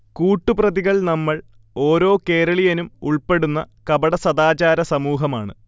കൂട്ടു പ്രതികൾ നമ്മൾ, ഓരോ കേരളീയനും ഉൾപ്പെടുന്ന കപടസദാചാരസമൂഹമാണ്